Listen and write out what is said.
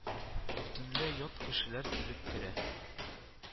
Бөтенләй ят кешеләр килеп керә